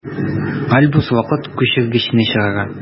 Альбус вакыт күчергечне чыгара.